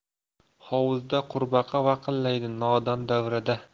hovuzda qurbaqa vaqillaydi nodon davrada